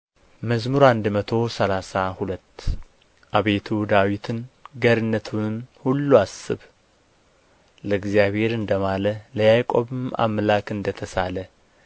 መዝሙር መቶ ሰላሳ ሁለት አቤቱ ዳዊትን ገርነቱንም ሁሉ አስብ ለእግዚአብሔር እንደ ማለ ለያዕቆብም አምላክ እንደ ተሳለ